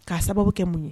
K'a sababu kɛ mun ye